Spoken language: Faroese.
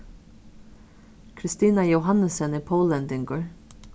kristina johannesen er póllendingur